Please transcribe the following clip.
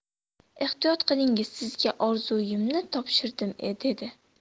ehtiyot qilingiz sizga orzuyimni topshirdim dedi